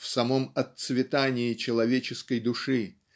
В самом отцветании человеческой души